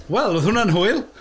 Wel, oedd hwnna'n hwyl.